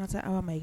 An taa aw ma ye